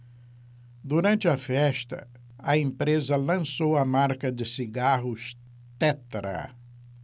durante a festa a empresa lançou a marca de cigarros tetra